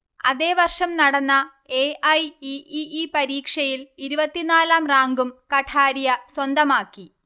അതേവർഷം നടന്ന A. I. E. E. E പരീക്ഷയിൽ ഇരുവത്തിനാലാം റാങ്കും കഠാരിയ സ്വന്തമാക്കി